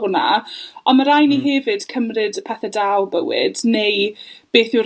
hwnna, on' ma' rai' ni hefyd cymryd y pethe da o bywyd neu beth yw'r